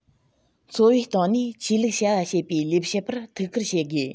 འཚོ བའི སྟེང ནས ཆོས ལུགས བྱ བ བྱེད པའི ལས བྱེད པར ཐུགས ཁུར བྱེད དགོས